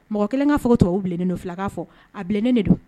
Mɔgɔ 1 ŋa fɔ ko tubabu bilennen don 2 k'a fɔ a bilennen de do